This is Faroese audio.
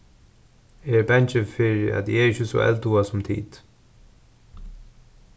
eg eri bangin fyri at eg eri ikki so eldhugað sum tit